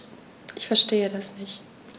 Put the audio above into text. Verstehe das nicht.